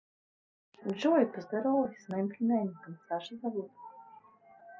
джой поздоровайся с моим племянником саша зовут